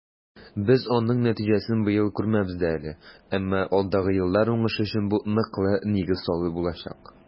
Без аның нәтиҗәсен быел күрмәбез дә әле, әмма алдагы еллар уңышы өчен бу ныклы нигез салу булачак.